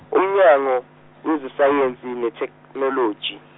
uMnyango, wezaSayensi neTheknoloji.